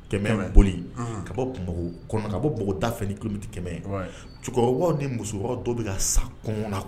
Kɛmɛ boli ka bɔ kɔnɔ ka bɔ npogoda fɛ ni ku tɛ kɛmɛ cɛkɔrɔba ni muso dɔ bɛ ka sa kɔnɔn